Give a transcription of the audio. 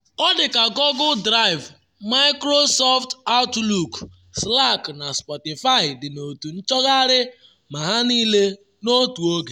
Ọ dị ka Google Drive, Microsoft Outlook, Slack na Spotify dị n’otu nchọgharị ma ha niile n’otu oge.